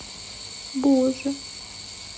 боже